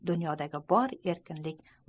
dunyodagi bor erkinlik